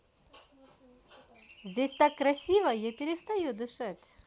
здесь так красиво я перестаю дышать